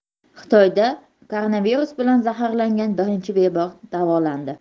xitoyda koronavirus bilan zararlangan birinchi bemor davolandi